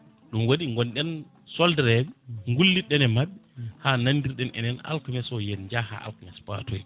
ɗum waɗi gonɗen soldat reɓe gullitɗen e mabɓe han nandirɗen enen alkamisa yen jaah ha alkamisa patoyɗo